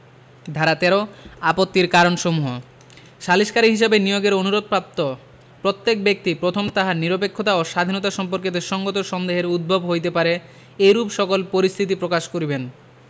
ধারা ১৩ আপত্তির কারণসমূহ সালিসকারী হিসাবে নিয়োগের অনুরোধ প্রাপ্ত প্রত্যেক ব্যক্তি প্রথম তাহার নিরপেক্ষতা ও স্বাধীনতা সম্পর্কে সঙ্গত সন্দেহের উদ্ভব হইতে পারে এইরূপ সকল পরিস্থিতি প্রকাশ করিবেন